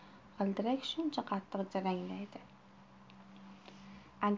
g'ildirak shuncha qattiq jaranglaydi